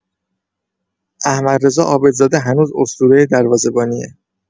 احمدرضا عابدزاده هنوز اسطوره دروازه‌بانیه.